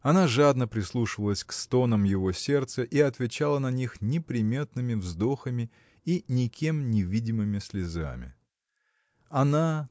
Она жадно прислушивалась к стонам его сердца и отвечала на них неприметными вздохами и никем не видимыми слезами. Она